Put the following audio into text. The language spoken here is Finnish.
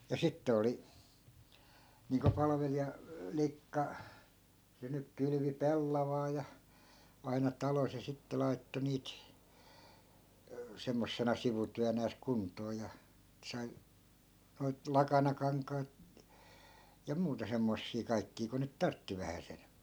ja sitten oli niin kuin - palvelijalikka se nyt kylvi pellavaa ja aina talossa ja sitten laittoi niitä semmoisena sivutyönään kuntoon ja sai noita lakanakankaita ja muuta semmoisia kaikkia kuin nyt tarvitsi vähäsen